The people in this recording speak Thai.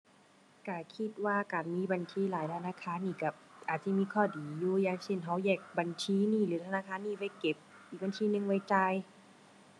ก็คิดว่าการมีบัญชีหลายธนาคารนี่ก็อาจสิมีข้อดีอยู่ อย่างเช่น ก็แยกบัญชีนี้หรือธนาคารนี้ไว้เก็บ อีกบัญชีหนึ่งไว้จ่าย